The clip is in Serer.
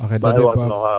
a xeda de